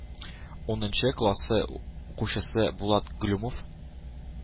Унынчы классы укучысы булат глюмов,